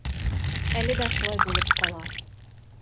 Әле дә шулай булып кала.